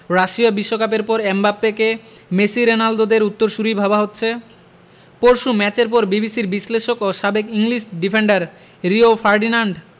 Russia বিশ্বকাপের পর এমবাপ্পেকে মেসি রেনালদোদের উত্তরসূরি ভাবা হচ্ছে পরশু ম্যাচের পর বিবিসির বিশ্লেষক ও সাবেক ইংলিশ ডিফেন্ডার রিও ফার্ডিনান্ডই